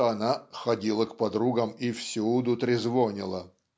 что она "ходила к подругам и всюду трезвонила"